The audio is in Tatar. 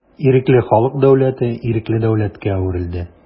Ирекле халык дәүләте ирекле дәүләткә әверелде.